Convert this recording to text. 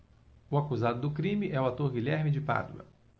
o acusado do crime é o ator guilherme de pádua